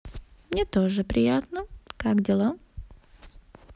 мне тоже приятно как дела